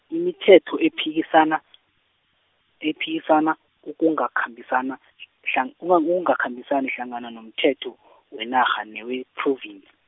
imithetho ephikisana, ephikisana, kungakhambisana hlan- ukungakhambisani hlangana nomthetho , wenarha newePhrovinsi.